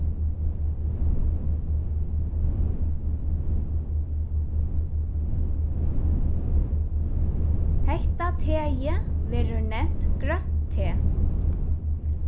hetta teið verður nevnt grønt te